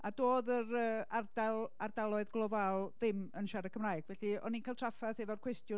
a doedd yr yy ardal, ardaloedd glofaol ddim yn siarad Cymraeg. Felly, o'n i'n cael trafferth efo'r cwestiwn